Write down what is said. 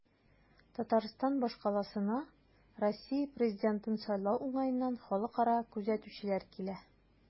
Татарстан башкаласына Россия президентын сайлау уңаеннан халыкара күзәтүчеләр килә.